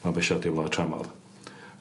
mabwysiadu yn wlad tramor.